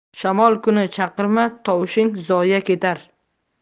shamol kuni chaqirma tovushing zoye ketar